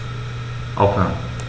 Aufhören.